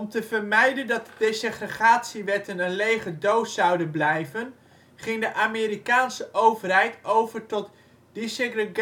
te vermijden dat de desegregatiewetten geen lege doos zouden blijven, ging de Amerikaanse overheid over tot desegregation